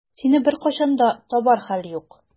Сине беркайчан да табар хәл юк.